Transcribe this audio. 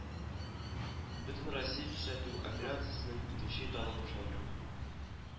Бөтенроссия кисәтү операциясенең икенче этабы башланды